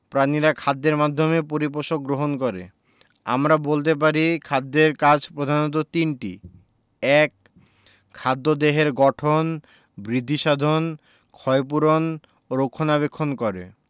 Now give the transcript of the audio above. প্রাণীরা খাদ্যের মাধ্যমে পরিপোষক গ্রহণ করে আমরা বলতে পারি খাদ্যের কাজ প্রধানত তিনটি ১. খাদ্য দেহের গঠন বৃদ্ধিসাধন ক্ষয়পূরণ ও রক্ষণাবেক্ষণ করে